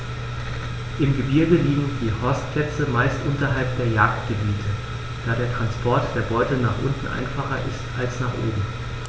Im Gebirge liegen die Horstplätze meist unterhalb der Jagdgebiete, da der Transport der Beute nach unten einfacher ist als nach oben.